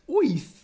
wyth?